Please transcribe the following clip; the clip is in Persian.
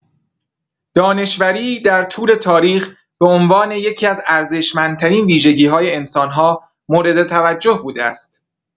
دانشوری در طول تاریخ به عنوان یکی‌از ارزشمندترین ویژگی‌های انسان‌ها مورد توجه بوده است.